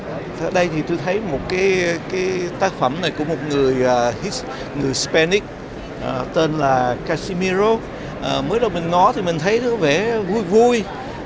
đây thì tôi thấy một cái cái tác phẩm của một người sờ sờ pe ních tên là ca xi mi rô mới đầu mình ngó thì mình thấy có vẻ vui vui